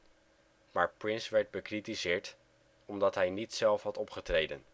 Prince werd bekritiseerd omdat hij niet zelf had opgetreden